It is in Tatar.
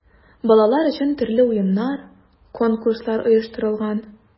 Балалар өчен төрле уеннар, конкурслар оештырылган.